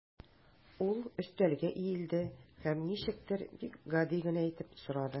Ул өстәлгә иелде һәм ничектер бик гади итеп кенә сорады.